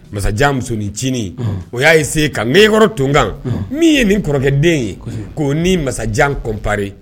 Masajan musonincinin o y'a ye sen kankɔrɔ tunkan min ye nin kɔrɔkɛden ye k'o ni masajan kɔnmpre